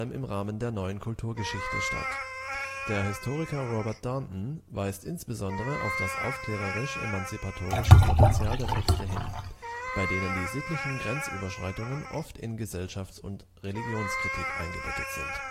im Rahmen der Neuen Kulturgeschichte statt. Der Historiker Robert Darnton weist insbesondere auf das aufklärerisch-emanzipatorische Potential der Texte hin, bei denen die sittlichen Grenzüberschreitungen oft in Gesellschafts - und Religionskritik eingebettet sind